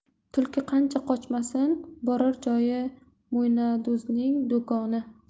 tulki qancha qochmasin borar joyi mo'ynado'zning do'koni